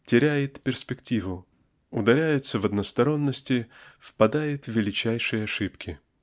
теряет перспективу ударяется в односторонности впадает в величайшие ошибки.